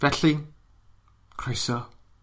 Felly, croeso